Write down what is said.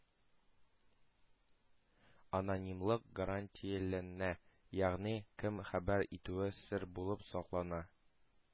Анонимлык гарантияләнә, ягъни, кем хәбәр итүе сер булып саклана.